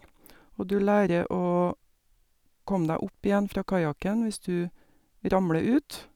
Og du lærer å komme deg opp igjen fra kajakken hvis du ramler ut.